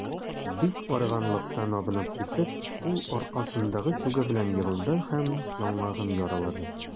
Бик арыганлыктан абынып китеп, ул аркасындагы тюгы белән егылды һәм яңагын яралады.